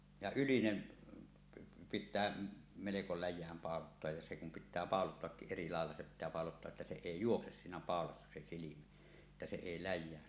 ja ylinen pitää melko läjään pauloittaa ja se kun pitää pauloittaakin eri lailla se pitää pauloittaa että se ei juokse siinä paulassa se silmä että se ei läjään